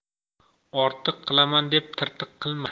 ortiq qilaman deb tirtiq qilma